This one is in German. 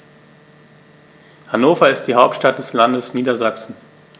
Hannover ist die Hauptstadt des Landes Niedersachsen.